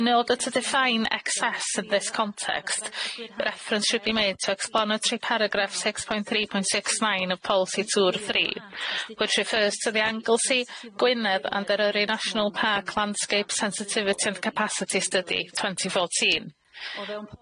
In order to define excess of this context, reference should be made to explanatory paragraph six point three point six nine of Policy Two or three, which refers to the Anglesey, Gwynedd and Eryri National Park Landscape Sensitivity and Capacity Study twenty fourteen.